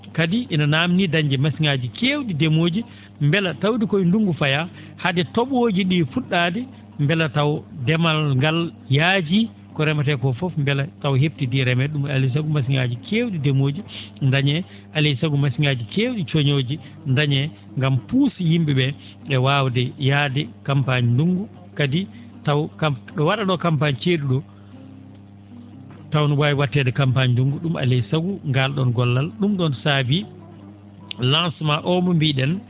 kadi ina naamdii dañde machine ?aaji keew?i ndeemoji mbela tawde ko ye ndunngu fayaa hade to?ooji ?ii fu??aade mbela taw ndemal ngal yaajii ko remetee koo fof mbela tawa hebtidii remeede ?um alaa e sago machine ?aaji keew?i ndemooji ndañee alaa e sago machine ?aaji keew?i coñooji dañee ngam puuse yim?e ?ee e waawde yaade campagne ndunngu kadi taw kam ?o wa?anoo campagne cee?u ?oo taw no waawi watteede campagne ndungngu ?um alaa e sago ngaal ?oon gollal ?um ?oon saabi lancement o mo mbii?en